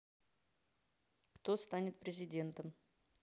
кто станет президентом